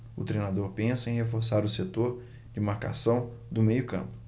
o treinador pensa em reforçar o setor de marcação do meio campo